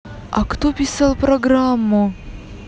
а кто писал программу